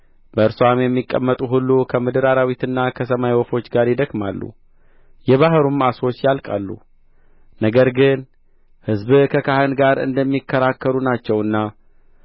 በእርስዋም የሚቀመጡ ሁሉ ከምድር አራዊትና ከሰማይ ወፎች ጋር ይደክማሉ የባሕሩም ዓሦች ያልቃሉ ነገር ግን ሕዝብህ ከካህን ጋር እንደሚከራከሩ ናቸውና